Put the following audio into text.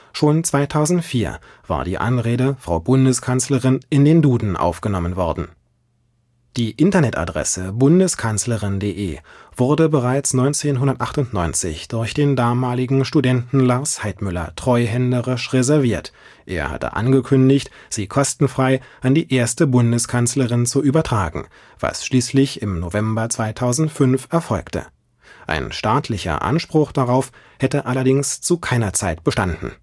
Schon 2004 war die Anrede „ Frau Bundeskanzlerin “in den Duden aufgenommen worden. Die Internetadresse bundeskanzlerin.de wurde bereits 1998 durch den damaligen Studenten Lars Heitmüller „ treuhänderisch “reserviert; er hatte angekündigt, sie kostenfrei an die erste Bundeskanzlerin zu übertragen, was schließlich im November 2005 erfolgte. Ein staatlicher Anspruch darauf hätte allerdings zu keiner Zeit bestanden